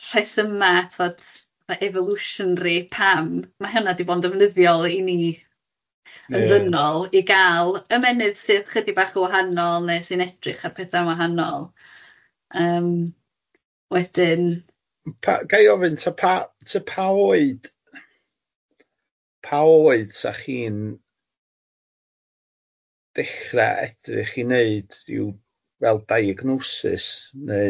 rhesyma tibod evolutionry pam, ma' hynna di bod yn ddefnyddiol i ni... Ie. ...yn ddynol i gal ymenydd sydd ychydig bach yn wahanol neu sy'n edrych ar petha'n wahanol yym, wedyn... Pa- ga'i ofyn ta pa- ta pa oed pa oed sa chi'n dechra edrych i neud ryw fel diagnosis neu